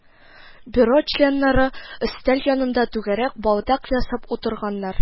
Бюро членнары өстәл янында түгәрәк балдак ясап утырганнар